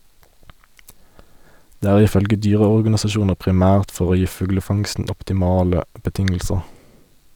Det er ifølge dyreorganisasjoner primært for å gi fuglefangsten optimale betingelser.